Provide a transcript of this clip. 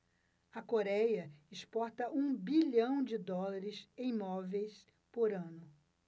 a coréia exporta um bilhão de dólares em móveis por ano